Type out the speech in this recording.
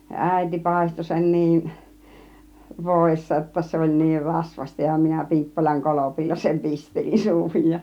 ja äiti paistoi sen niin voissa jotta se oli niin rasvaista ja minä Piippolan kolpilla sen pistelin suuhun ja